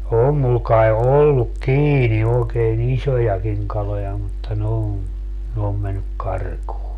on minulla kai ollut kiinni oikein isojakin kaloja mutta ne on ne on mennyt karkuun